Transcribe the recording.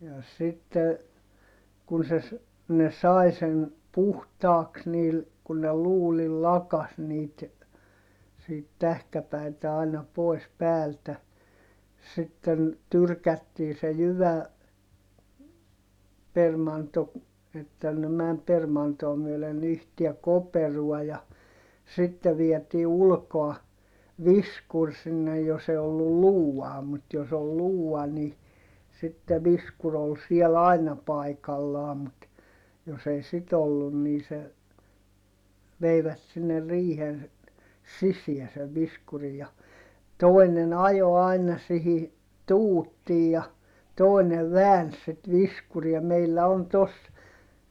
ja sitten kun se - ne sai sen puhtaaksi niillä kun ne luudilla lakaisi niitä siitä tähkäpäitä aina pois päältä sitten tyrkättiin se - jyväpermanto että ne meni permantoa myöden yhteen koperoon ja sitten vietiin ulkoa viskuri sinne jos ei ollut luutaa mutta jos oli luuta niin sitten viskuri oli siellä aina paikallaan mutta jos ei sitten ollut niin se veivät sinne riihen sisään sen viskurin ja toinen ajoi aina siihen tuuttiin ja toinen väänsi sitten viskuria meillä on tuossa